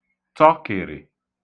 tọkị̀rị̀